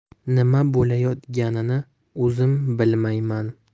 nima bo'layotganini o'zim bilmayman